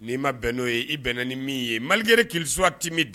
Ni'i ma bɛn n'o ye i bɛnna ni min ye malikɛre kisoti min di